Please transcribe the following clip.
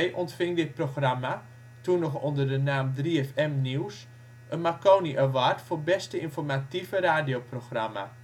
ontving dit programma, toen nog onder de naam 3FM Nieuws, een Marconi Award voor Beste Informatieve Radioprogramma